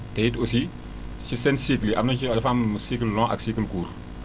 te it aussi si seen cycle yi am na ci dafa am cycle long ak cycle court